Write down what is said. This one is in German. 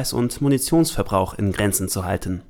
und Munitionsverbrauch in Grenzen zu halten